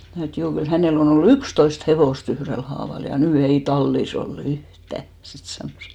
minä sanoin että juu kyllä hänellä on ollut yksitoista hevosta yhdellä haavalla ja nyt ei tallissa ole yhtään sitten sanoi